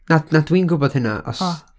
Na, na, dwi'n gwbod hynna, os... O.